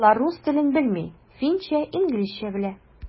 Алар рус телен белми, финча, инглизчә белә.